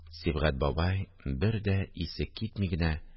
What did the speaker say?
Сибгать бабай, бер дә исе китми генә